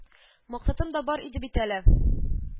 Максатым да бар иде бит әле